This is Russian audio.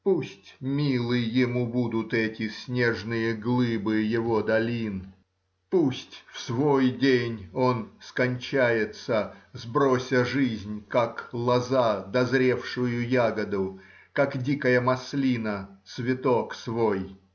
пусть милы ему будут эти снежные глыбы его долин, пусть в свой день он скончается, сброся жизнь, как лоза — дозревшую ягоду, как дикая маслина — цветок свой.